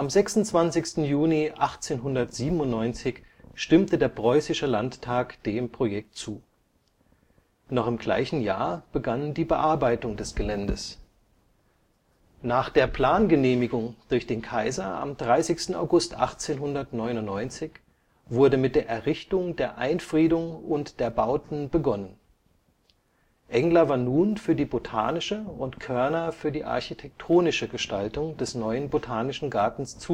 26. Juni 1897 stimmte der Preußische Landtag dem Projekt zu. Noch im gleichen Jahr begann die Bearbeitung des Geländes. Nach der Plangenehmigung durch den Kaiser am 30. August 1899 wurde mit der Errichtung der Einfriedung und der Bauten begonnen. Engler war nun für die botanische und Koerner für die architektonische Gestaltung des neuen Botanischen Gartens